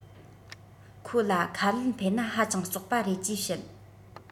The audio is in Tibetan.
ཁོ ལ ཁ ལུད འཕེན ན ཧ ཅང རྩོག པ རེད ཅེས བཤད